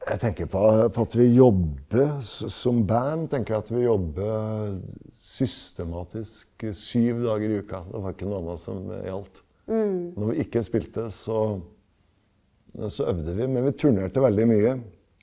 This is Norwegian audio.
jeg tenker på på at vi jobber som band tenker jeg at vi jobber systematisk syv dager i uka, det var ikke noe anna som gjaldt, og når vi ikke spilte så så øvde vi men vi turnerte veldig mye.